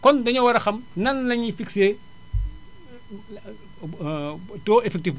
kon dañoo war a xam nan la ñuy fixé taux effectif